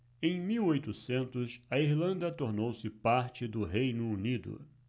em mil e oitocentos a irlanda tornou-se parte do reino unido